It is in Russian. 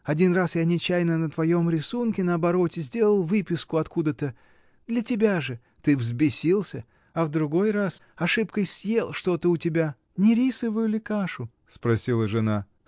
Один раз я нечаянно на твоем рисунке на обороте сделал выписку откуда-то — для тебя же: ты взбесился! А в другой раз. ошибкой съел что-то у тебя. — Не рисовую ли кашу? — спросила жена.